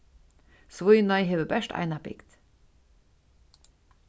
svínoy hevur bert eina bygd